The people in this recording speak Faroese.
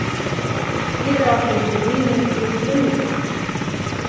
tit hava fingið vinir fyri lívið